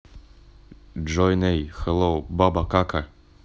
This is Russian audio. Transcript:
джой ней hello баба кака